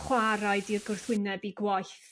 chwarae 'di'r gwrthwyneb i gwaith